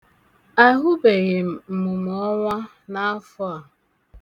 Ahụbeghị m mmụmụọwa n'afọ a.